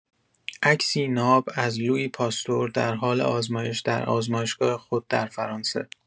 عکسی ناب از لویی پاستور در حال آزمایش در آزمایشگاه خود در فرانسه.